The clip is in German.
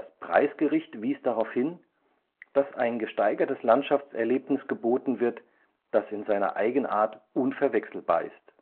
Preisgericht wies darauf hin, dass „ ein gesteigertes Landschaftserlebnis geboten [wird], das in seiner Eigenart unverwechselbar ist